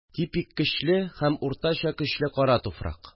Типик көчле һәм уртача көчле кара туфрак